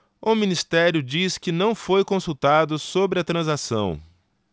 o ministério diz que não foi consultado sobre a transação